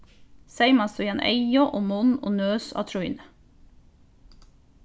seyma síðan eygu og munn og nøs á trýnið